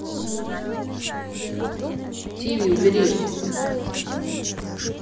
тиви убери